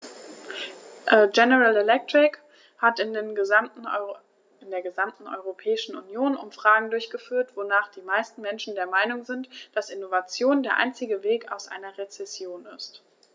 General Electric hat in der gesamten Europäischen Union Umfragen durchgeführt, wonach die meisten Menschen der Meinung sind, dass Innovation der einzige Weg aus einer Rezession ist.